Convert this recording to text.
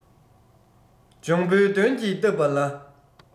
འབྱུང པོའི གདོན གྱིས བཏབ པ ལ